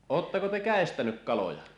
oletteko te käestänyt kaloja